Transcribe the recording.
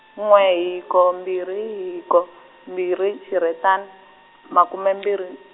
n'we hiko mbirhi hiko, mbirhi xirhetan-, makume mbirhi.